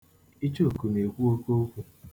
Ichooku na-ekwu oke okwu.